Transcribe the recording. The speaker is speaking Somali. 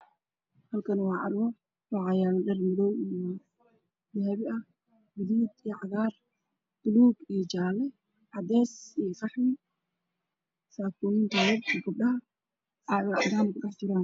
Waa car waxaa iiga muuqda saakooyin midabkoodii yihiin gudahood madow